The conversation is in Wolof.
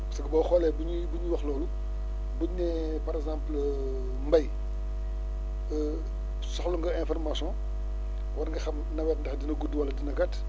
sax boo xoolee bu ñuy bi ñuy wax loolu bi ñu nee par exemple mbéy soxla nga information war nga xam nawet ndax dina gudd wala dina gàtt